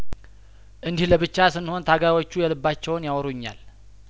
እንዲህ ለብቻ ስንሆን ታጋዮቹ የልባቸውን ያወሩኛል